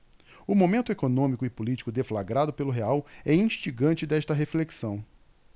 o momento econômico e político deflagrado pelo real é instigante desta reflexão